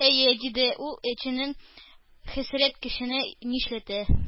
«әйе,— диде ул эченнән,—хәсрәт кешене нишләтә!»